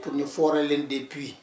pour ñu forer leen des puits